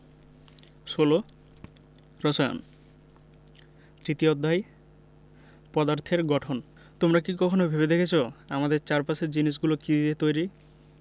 ১৬ রসায়ন তৃতীয় অধ্যায় পদার্থের গঠন তোমরা কি কখনো ভেবে দেখেছ আমাদের চারপাশের জিনিসগুলো কী দিয়ে তৈরি